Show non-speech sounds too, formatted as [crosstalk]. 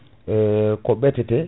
[hesitation] ko ɓetete